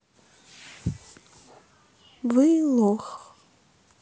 вы лох